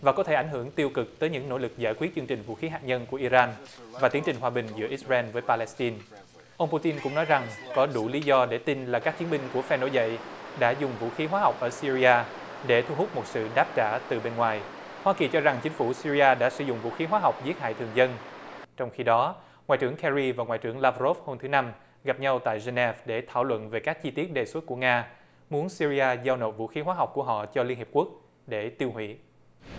và có thể ảnh hưởng tiêu cực tới những nỗ lực giải quyết chương trình vũ khí hạt nhân của i ran vào tiến trình hòa bình giữa ít ren với pa le xin ông pu tin cũng nói rằng có đủ lý do để tin là các chiến binh của phe nổi dậy đã dùng vũ khí hóa học ở sia ri a để thu hút một sự đáp trả từ bên ngoài hoa kỳ cho rằng chính phủ sia ri a đã sử dụng vũ khí hóa học giết hại thường dân trong khi đó ngoại trưởng ke ry và ngoại trưởng láp rốp hôm thứ năm gặp nhau tại giơ ne để thảo luận về các chi tiết đề xuất của nga muốn sia ri a giao nộp vũ khí hóa học của họ cho liên hiệp quốc để tiêu hủy